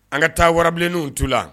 An ka taa warabilenninw tu la.